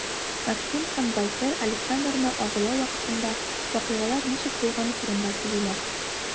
Максим һәм Вальтер Александрны агулау вакытында вакыйгалар ничек булганы турында сөйлиләр.